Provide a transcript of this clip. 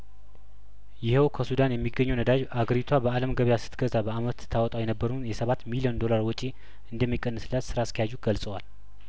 ይኸው ከሱዳን የሚገኘው ነዳጅ አገሪቱ በአለም ገበያስት ገዛ በአመት ታወጣው የነበረውን የሰባት ሚሊዮን ዶላር ወጪ እንደሚቀንስላት ስራ አስኪያጁ ገልጸዋል